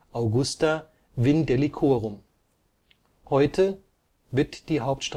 Augusta Vindelicorum), heute Via Julia genannt